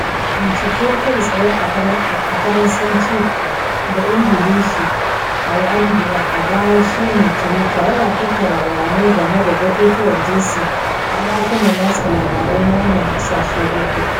Binciken kai-tsaye a Faransanci da Ingilishi a X (wanda a baya shine Twitter) yana tattara bayanai game da batutuwan jinsi a ɗakunan watsa labarai na waɗannan ƙasashe uku.